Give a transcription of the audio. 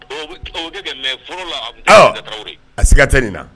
A siga tɛ nin na